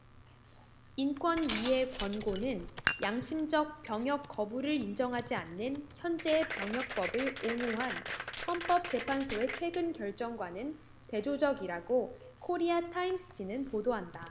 인권위의 권고는 양심적 병역 거부를 인정하지 않는 현재의 병역법을 옹호한 헌법 재판소의 최근 결정과는 대조적이라고 코리아 타임스 지는 보도한다